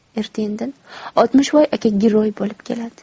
erta indin oltmishvoy aka giroy bo'lib keladi